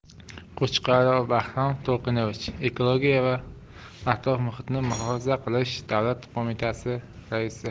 qo'chqorov bahrom to'lqinovich ekologiya va atrof muhitni muhofaza qilish davlat qo'mitasi raisi